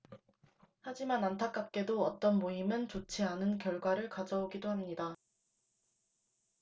하지만 안타깝게도 어떤 모임은 좋지 않은 결과를 가져오기도 합니다